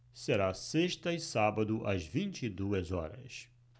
será sexta e sábado às vinte e duas horas